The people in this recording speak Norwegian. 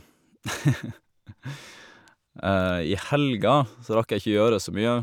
I helga så rakk jeg ikke gjøre så mye.